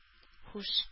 Һуш